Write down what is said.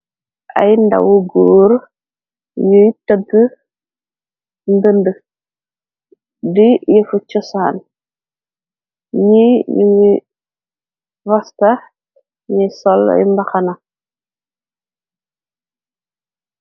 Ay ndawu goor ñuy tëgg ndënd, di yefu cosaan, ñi nuñ ngi rasta, ñi sol ay mbaxana.